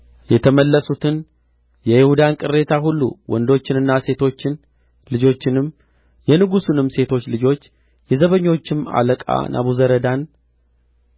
የተመለሱትን የይሁዳን ቅሬታ ሁሉ ወንዶችንና ሴቶችን ልጆችንም የንጉሡንም ሴቶች ልጆች የዘበኞቹም አለቃ ናቡዘረዳን